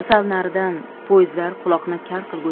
sal naridan poyezdlar quloqni kar qilgudek